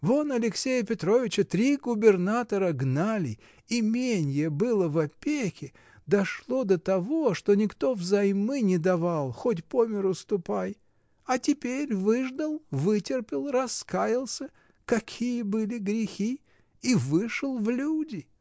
Вон Алексея Петровича три губернатора гнали, именье было в опеке, дошло до того, что никто взаймы не давал, хоть по миру ступай: а теперь выждал, вытерпел, раскаялся — какие были грехи — и вышел в люди.